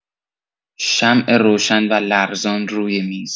شمع روشن و لرزان روی میز